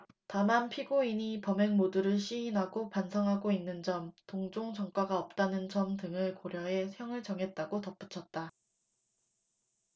다만 피고인이 범행 모두를 시인하고 반성하고 있는 점 동종 전과가 없는 점 등을 고려해 형을 정했다고 덧붙였다